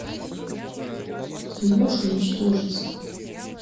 ты можешь уничтожиться